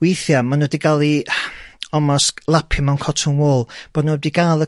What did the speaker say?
withia ma' n'w 'di ga'l i almostt lapio mewn cotton wool bo' n'w heb 'di ga'l y